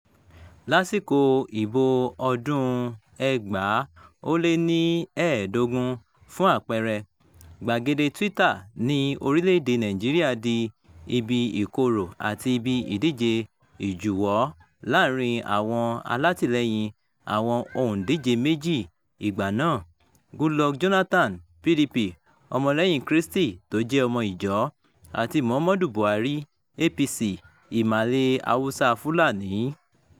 Lásìkò ìbò ọdún-un 2015, fún àpẹẹrẹ, gbàgede Twitter ní orílẹ̀-èdèe Nàìjíríà di ibi ìkorò àti ibi ìdíje ìjuwọ́ láàárín àwọn alátìlẹ́yìn àwọn òǹdíje méjì ìgbà náà, Goodluck Jonathan (PDP, ọmọ lẹ́yìn Krístì tó jẹ́ ọmọ Ijaw) àti Muhammadu Buhari (APC, Ìmàle, Hausa, Fulani).